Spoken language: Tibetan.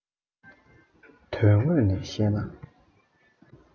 དོན དངོས ནས གཤས ན